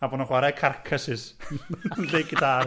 A bod nhw'n chwarae carcasses yn lle gitars.